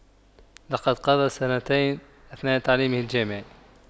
لقد قضى سنتين أثناء تعليمه الجامعي